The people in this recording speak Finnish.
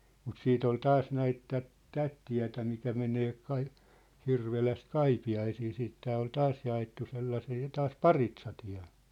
mutta sitten oli taas näitä tätä tätä tietä mikä menee - Hirvelästä Kaipiaisiin siitä tämä oli taas jaettu sellaisia taas paritsatie